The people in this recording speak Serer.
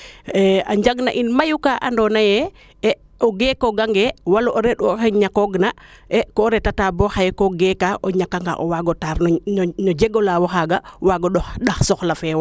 a njang na in mayu kaa ando naye o geeko gange wala o reend u axe ñakoog na e ko reta ta bo xaye ko geeka o ñaka nga o waago taar no jegolaawo xaaga waaga ndax soxla fee wo